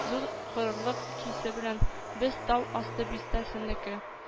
Зур горурлык хисе белән: «без—тау асты бистәсенеке!»